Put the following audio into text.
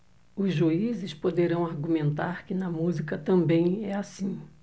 os juízes poderão argumentar que na música também é assim